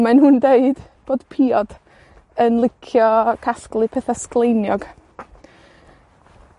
mae nhw'n deud bod piod yn licio casglu petha sgleiniog.